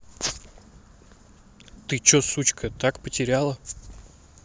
ты че сучка так потеряла